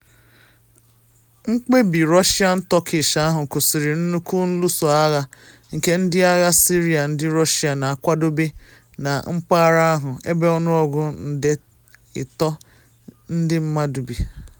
Mkpebi Russian-Turkish ahụ kwụsịrị nnukwu nluso agha nke ndị agha Syria ndị Russia na akwadobe na mpaghara ahụ, ebe ọnụọgụ nde 3 ndị mmadu bi.